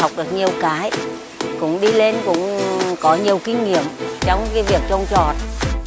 học được nhiều cái cũng đi lên cũng có nhiều kinh nghiệm trong cái việc trồng trọt